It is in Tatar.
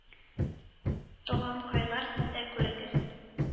Туганкайлар, сез дә күрегез,